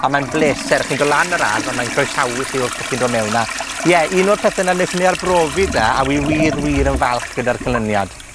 Ond mae'n bleser, chi'n do' lan yr ardd a mae'n croesawu chi wrth bo' chi'n do' mewn a, ie, un o'r pethe nethon ni arbrofi 'da a wi wir, wir yn falch gyda'r canlyniad.